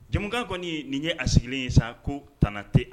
Jamukan kɔni nin ye a sigilen ye sa ko tana tɛ